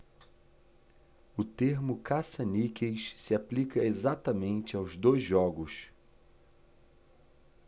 o termo caça-níqueis se aplica exatamente aos dois jogos